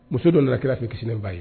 Muso dɔ nana k' fɛ kisi ba ye